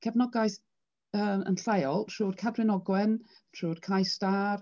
Cefnogaeth yy yn lleol trwy'r Cadwyn Ogwen, trwy'r Cais Da.